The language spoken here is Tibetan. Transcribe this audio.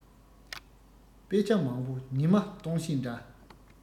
དཔེ ཆ མང བོ ཉི མ གཏོང བྱེད འདྲ